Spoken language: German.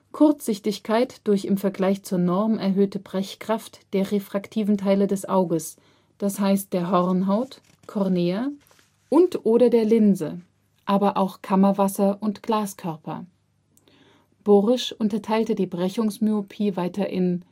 Kurzsichtigkeit durch im Vergleich zur Norm erhöhte Brechkraft der refraktiven Teile des Auges, d. h. der Hornhaut (Cornea) und/oder der Linse, aber auch Kammerwasser und Glaskörper. Borish unterteilte die Brechungsmyopie weiter in